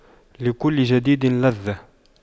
لكل جديد لذة